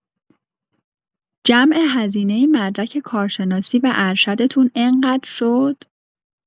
جمع هزینه مدرک کارشناسی و ارشدتون انقدر شد؟